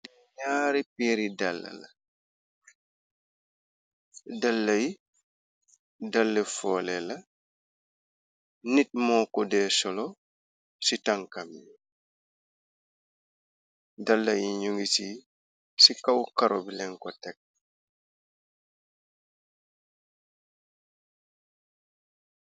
Nyaari peeri dala la dale yi dalli foole la ay nit nyoo ko dee solo ci tankam yi dala yi ñu ngi ci ci kaw karobilen ko tekk.